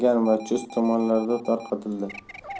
va chust tumanlarida tarqatildi